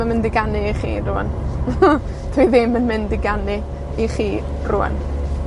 yn mynd i ganu i chi rwan. Dwi ddim yn mynd i ganu i chi rŵan.